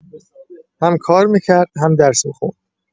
هم کار می‌کرد هم درس می‌خوند.